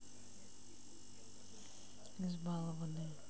избалованные